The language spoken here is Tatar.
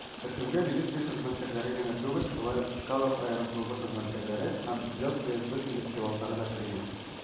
Төркемгә милиция хезмәткәрләре генә түгел, шулай ук Чкалов аэроклубы хезмәткәрләре һәм "Взлет" ФСБ пилотлары да кергән.